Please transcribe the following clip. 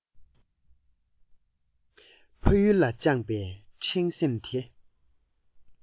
ཕ ཡུལ ལ བཅངས པའི འཕྲེང སེམས དེ